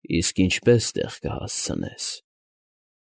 Իսկ ինչպե՞ս տեղ կհասցնես։